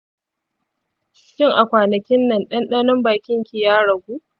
shin a kwanakinnan dandanon bakin ki ya ragu?